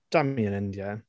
Dami and India.